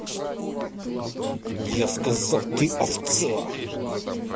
я сказал ты овца